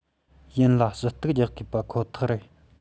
ཡིན ལ ཞུ གཏུག རྒྱག དགོས པ ཁོ ཐག རེད